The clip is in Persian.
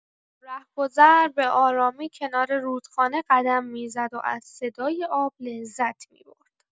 رهگذر به‌آرامی کنار رودخانه قدم می‌زد و از صدای آب لذت می‌برد.